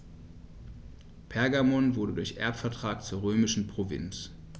Pergamon wurde durch Erbvertrag zur römischen Provinz.